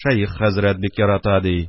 Шәех хәзрәт бик ярата,